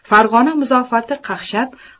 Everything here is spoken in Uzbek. farg'ona muzofoti qaqshab